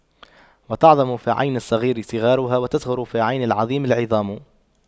وتعظم في عين الصغير صغارها وتصغر في عين العظيم العظائم